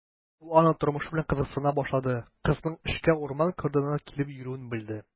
Ул аның тормышы белән кызыксына башлады, кызның эшкә урман кордоныннан килеп йөрүен белде.